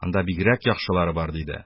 Анда бигрәк яхшылары бар,-диде.